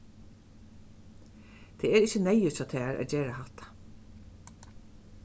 tað er ikki neyðugt hjá tær at gera hatta